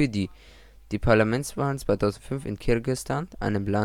Die Parlamentswahlen 2005 in Kirgisistan fanden